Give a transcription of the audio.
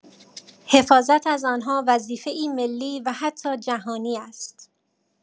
حفاظت از آنها وظیفه‌ای ملی و حتی جهانی است.